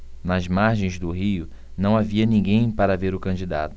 nas margens do rio não havia ninguém para ver o candidato